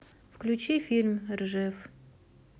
включи фильм ржев